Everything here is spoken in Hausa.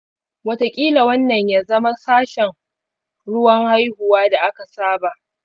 wataƙila wannan ya zama sashen ruwan-haihuwa da aka saba